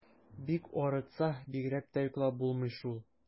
Бик арытса, бигрәк тә йоклап булмый шул.